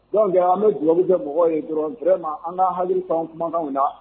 Donc an bɛ dugau kɛ mɔgɔw ye dɔrɔnw, vraiement an k'an hakili to an ka fɔtaw la.